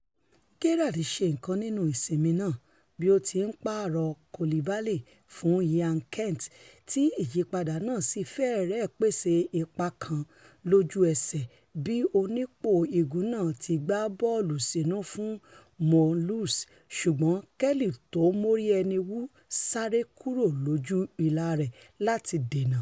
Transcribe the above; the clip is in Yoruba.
Gerrard ṣe nǹkan nínú ìsinmi náà bí ó ti pààrọ̀ Coulibaly fún Ryan Kent ti ìyípadà náà sì fẹ́rẹ̀ pèsè ipa kan lójú-ẹṣẹ̀ bí onípò-igun náà ti gbá bọ́ọ̀lù sínú fún Morelos ṣùgbọn Kelly tó móríẹni wú sáré kuro lójú ìlà rẹ̀ láti dènà.